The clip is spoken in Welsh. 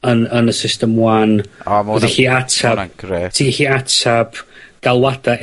yn yn y system 'wan. O ma' wnna'n... ... ti gallu atab... ...ma' wnna'n grêt... ...ti gallu atab galwada'